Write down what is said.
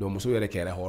Dɔnku muso yɛrɛ yɛrɛ hɔrɔn